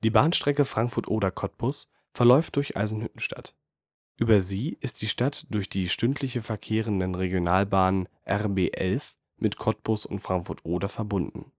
Bahnstrecke Frankfurt (Oder) – Cottbus verläuft durch Eisenhüttenstadt. Über sie ist die Stadt durch die stündlich verkehrende Regionalbahn RB 11 mit Cottbus und Frankfurt (Oder) verbunden